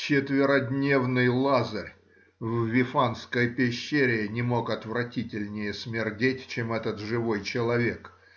Четверодневный Лазарь в Вифанской пещере не мог отвратительнее смердеть, чем этот живой человек